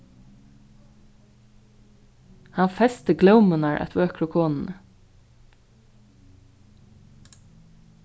hann festi glómurnar at vøkru konuni